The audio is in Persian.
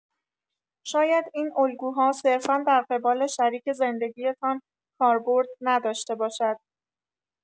شاید این الگوها صرفا در قبال شریک زندگی‌تان کاربرد نداشته باشد.